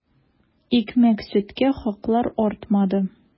Икмәк-сөткә хаклар артмады.